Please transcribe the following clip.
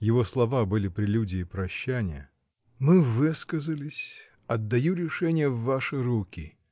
Его слова были прелюдией прощания. — Мы высказались. отдаю решение в ваши руки!